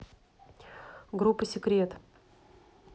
группа секрет